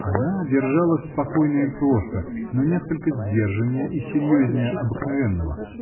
Она держалась спокойно и просто -- но несколько сдержаннее и серьезнее обыкновенного